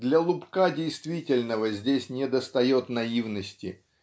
Для лубка действительного здесь недостает наивности